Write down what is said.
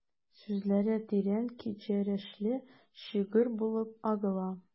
Сүзләре тирән кичерешле шигырь булып агыла...